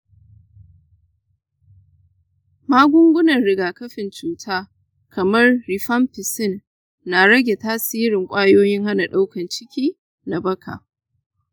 magungunan rigakafin cuta kamar rifampicin na rage tasirin ƙwayoyin hana ɗaukar ciki na baka.